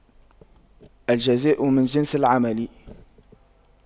الجزاء من جنس العمل